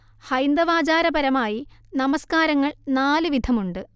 ഹൈന്ദവാചാരപരമായി നമസ്കാരങ്ങൾ നാല് വിധമുണ്ട്